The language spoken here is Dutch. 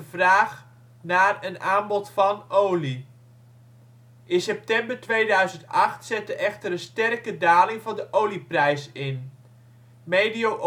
vraag naar en aanbod van olie In september 2008 zette echter een sterke daling van de olieprijs in: medio